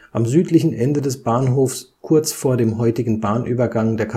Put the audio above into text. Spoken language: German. Am südlichen Ende des Bahnhofs, kurz vor dem heutigen Bahnübergang der